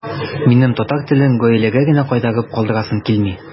Минем татар телен гаиләгә генә кайтарып калдырасым килми.